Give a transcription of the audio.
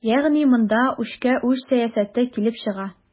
Ягъни монда үчкә-үч сәясәте килеп чыга.